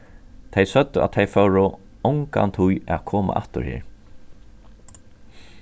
tey søgdu at tey fóru ongantíð at koma aftur her